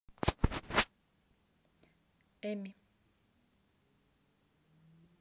эми